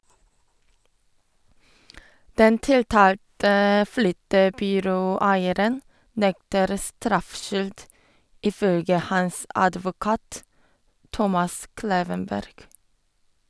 Den tiltalte flyttebyråeieren nekter straffskyld, ifølge hans advokat, Thomas Klevenberg.